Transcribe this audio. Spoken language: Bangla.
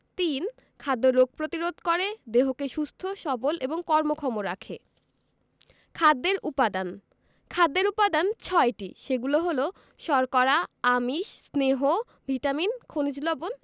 ৩. খাদ্য রোগ প্রতিরোধ করে দেহকে সুস্থ সবল এবং কর্মক্ষম রাখে খাদ্যের উপাদান খাদ্যের উপাদান ছয়টি সেগুলো হলো শর্করা আমিষ স্নেহ ভিটামিন খনিজ লবন